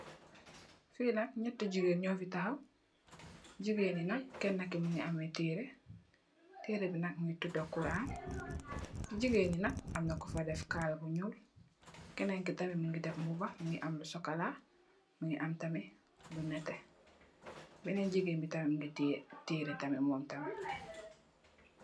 Fi nak nëtti jigéen nyo fi tahaw, jigéen yi nak kenna mungi ameh teereh. Teereh bi nak mungi tuda quran. Jigéen yi nak amna ku fa def kala bu ñuul, kenen tamit mungi def mbuba mungi am lu sokola mungi am tamit lu nètè, benen jigéen tamit mungi tè tereeh tamit mum tamit.